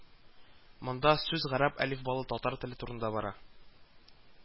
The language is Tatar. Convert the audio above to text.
Монда сүз гарәп әлифбалы татар теле турында бара